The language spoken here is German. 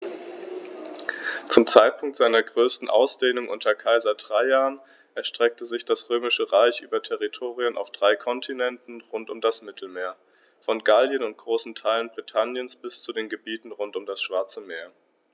Zum Zeitpunkt seiner größten Ausdehnung unter Kaiser Trajan erstreckte sich das Römische Reich über Territorien auf drei Kontinenten rund um das Mittelmeer: Von Gallien und großen Teilen Britanniens bis zu den Gebieten rund um das Schwarze Meer.